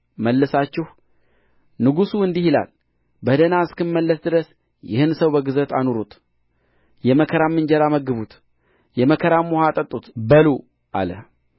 መልሳችሁ ንጉሡ እንዲህ ይላል በደኅና እስክመለስ ድረስ ይህን ሰው በግዞት አኑሩት የመከራም እንጀራ መግቡት የመከራም ውኃ አጠጡት በሉ አለ